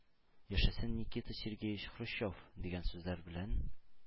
Яшәсен Никита Сергеевич Хрущев! дигән сүзләр белән